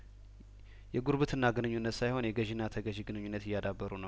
የጉርብትና ግንኙነት ሳይሆን የገዥና ተገዥ ግንኙነት እያዳበሩ ነው